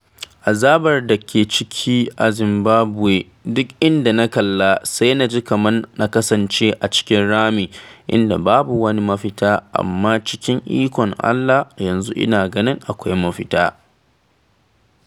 Azabar da ake ciki a Zimbabwe, duk inda na kalla sai naji kaman na kasance a cikin rami inda babu wani mafita amma cikin ikon Allah kawai yanzu ina ganin akwai mafita.